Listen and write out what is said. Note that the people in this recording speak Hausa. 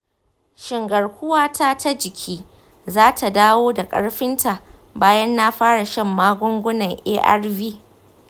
shin garkuwata ta jiki za ta dawo da ƙarfinta bayan na fara shan magungunan arv?